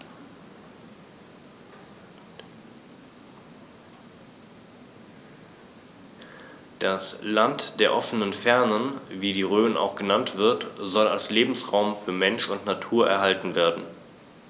Das „Land der offenen Fernen“, wie die Rhön auch genannt wird, soll als Lebensraum für Mensch und Natur erhalten werden.